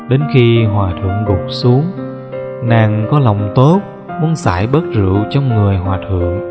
đến khi hòa thượng gục xuống nàng có lòng tốt muốn giải bớt rượu trong người hòa thượng